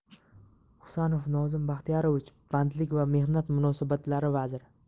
husanov nozim baxtiyorovich bandlik va mehnat munosabatlari vaziri